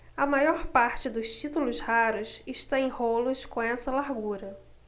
a maior parte dos títulos raros está em rolos com essa largura